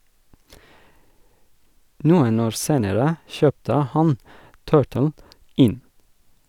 Noen år senere kjøpte han Turtle Inn.